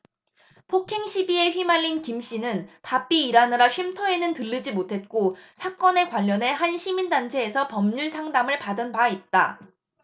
폭행시비에 휘말린 김씨는 바삐 일하느라 쉼터에는 들르지 못했고 사건과 관련해 한 시민단체에서 법률상담을 받은 바 있다